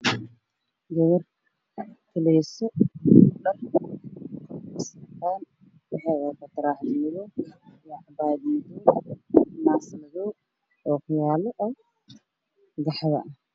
Gabar gadayso dhar waxay wadataa cambaayad madow ah iyo taraaxad cadaana madow ah